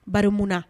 Bari mun na